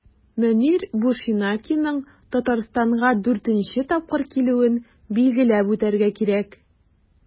Мөнир Бушенакиның Татарстанга 4 нче тапкыр килүен билгеләп үтәргә кирәк.